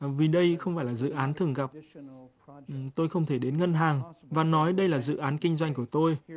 vì đây không phải là dự án thường gặp tôi không thể đến ngân hàng và nói đây là dự án kinh doanh của tôi